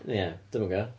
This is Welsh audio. Ia, dwi'm yn gwbod.